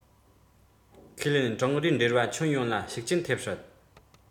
ཁས ལེན ཀྲུང རིའི འབྲེལ བ ཁྱོན ཡོངས ལ ཤུགས རྐྱེན ཐེབས སྲིད